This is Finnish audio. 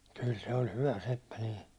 kyllä se oli hyvä seppä niin